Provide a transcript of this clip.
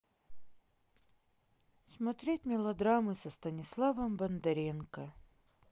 смотреть мелодрамы со станиславом бондаренко